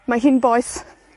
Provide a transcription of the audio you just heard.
Mae hi'n boeth.